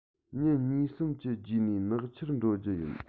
ཉིན གཉིས གསུམ གྱི རྗེས ནས ནག ཆུར འགྲོ རྒྱུ ཡིན